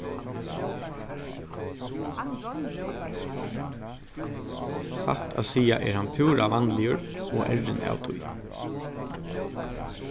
satt at siga er hann púra vanligur og errin av tí